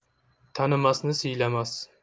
tanimasni siylamas